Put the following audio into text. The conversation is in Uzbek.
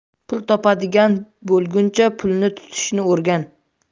pul topadigan bo'lguncha pulni tutishni o'rgan